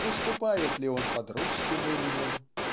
выступает ли он под русским именем